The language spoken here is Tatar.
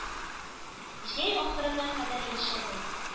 Җәй ахырына кадәр яшәде.